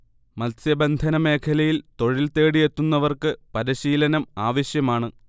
മത്സ്യബന്ധന മേഖലയിൽ തൊഴിൽതേടി എത്തുന്നവർക്ക് പരിശീലനം ആവശ്യമാണ്